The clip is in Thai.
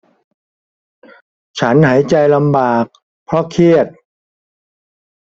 ฉันหายใจลำบากเพราะเครียด